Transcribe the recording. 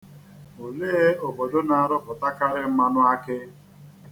Olee obodo na-arụpụtakarị mmanụakị?